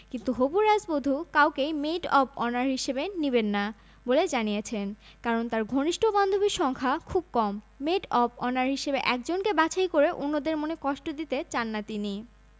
কিন্তু হবু রাজবধূ কাউকেই মেড অব অনার হিসেবে নেবেন না বলে জানিয়েছেন কারণ তাঁর ঘনিষ্ঠ বান্ধবীর সংখ্যা খুব কম মেড অব অনার হিসেবে একজনকে বাছাই করে অন্যদের মনে কষ্ট দিতে চান না তিনি